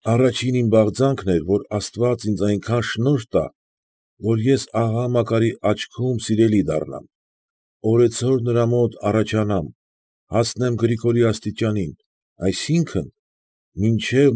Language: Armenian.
Աոաջին իմ բաղձանքն էր, որ աստված ինձ այնքան շնորհ տա, որ ես աղա Մակարի աչքում սիրելի դառնամ, օրեցօր նրա մոտ առաջանամ, հասնեմ Գրիգորի աստիճանին, այսինքն՝ մինչև։